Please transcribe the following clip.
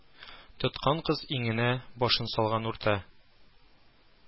Тоткан кыз иңенә башын салган урта